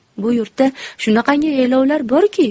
bu yurtda shunaqangi yaylovlar borki